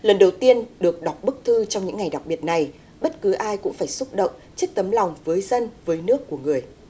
lần đầu tiên được đọc bức thư trong những ngày đặc biệt này bất cứ ai cũng phải xúc động trước tấm lòng với dân với nước của người